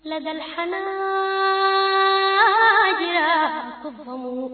Tileyangɛnin